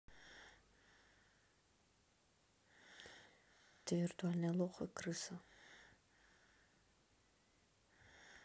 ты виртуальный лох и крыса